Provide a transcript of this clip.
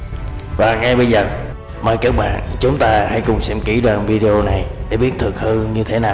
và ngay bây giờ mời các bạn chúng ta hãy cùng xem kỹ bằng video này để biết sự thật của đoạn video này như thế nào nhé